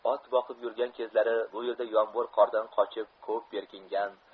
ot boqib yurgan kezlari bu yerda yomg'ir qordan qochib ko'p berkingan